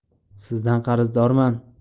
sizdan qarzdorman